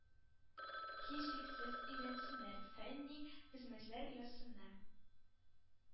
Һичшиксез, өйрәнсеннәр, фәнни хезмәтләр язсыннар.